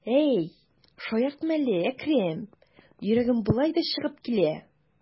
Әй, шаяртма әле, Әкрәм, йөрәгем болай да чыгып килә.